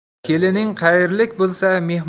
kelining qayerlik bo'lsa